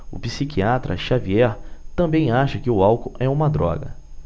o psiquiatra dartiu xavier também acha que o álcool é uma droga